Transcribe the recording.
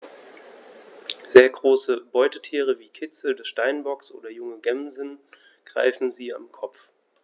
Sehr große Beutetiere wie Kitze des Steinbocks oder junge Gämsen greifen sie am Kopf.